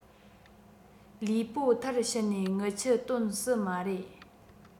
ལུས པོ མཐར ཕྱིན ནས རྔུལ ཆུ དོན སྲིད མ རེད